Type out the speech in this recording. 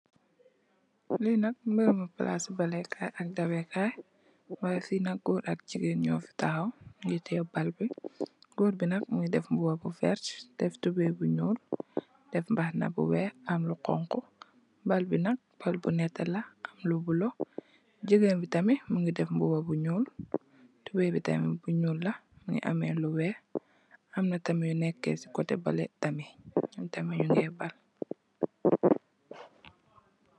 Lii nak barabu palaasu ballekaay ak dawekaay, way fi nak goor ak jigeen, nyo fi tahaw, nyingi tiye bal bi, goor bi nak mingi def mbuba bu verte, def tubay bu nyuul, def mbaxana bu weex, am lu xonxu, bal bi nak bal bu nete la, am lu bula, jigeen bi tamit mingi def mbuba bu nyuul, tubay tamit bu nyuul la, mingi ame lu weex, am tamit lu nekke si kotem bale tamit,